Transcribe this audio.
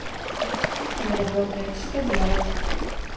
пульт не работает что делать